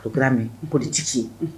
Kura min o de tigi